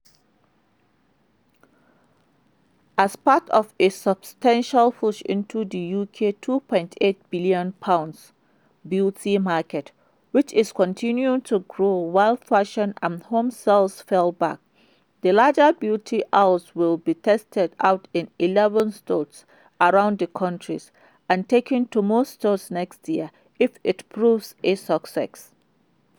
As part of a substantial push into the UK's £2.8bn beauty market, which is continuing to grow while fashion and homeware sales fall back, the larger beauty aisles will be tested out in 11 stores around the country and taken to more stores next year if it proves a success.